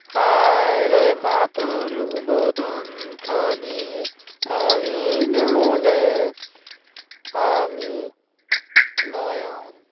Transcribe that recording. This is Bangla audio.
হায়রে মা তোর বদন খানি মলিন হলে আমি নয়ন